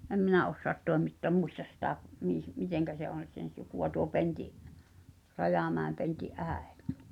en minä osaa toimittaa muista sitä - miten se on sen sukua tuo Pentin Rajamäen Pentin äiti